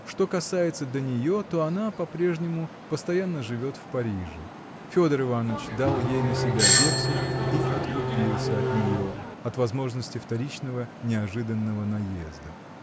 Что касается до нее, то она по-прежнему постоянно живет в Париже: Федор Иваныч дал ей на себя вексель и откупился от нее, от возможности вторичного неожиданного наезда.